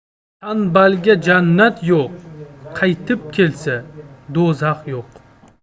tanbalga jannat yo'q qaytib kelsa do'zax yo'q